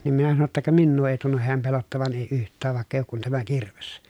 niin minä sanoin jotta ka minua ei tunnu hän pelottavan ei yhtään vaikka ei ole kuin tämä kirves